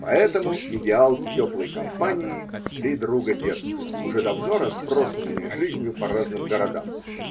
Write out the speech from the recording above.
Поэтому идеал теплой компании -- три друга детства, уже давно разбросанные жизнью по разным городам.